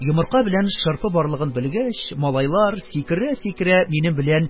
Йомырка белән шырпы барлыгын белгәч, малайлар сикерә-сикерә минем белән